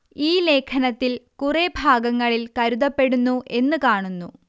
ഈ ലേഖനത്തിൽ കുറെ ഭാഗങ്ങളിൽ കരുതപ്പെടുന്നു എന്ന് കാണുന്നു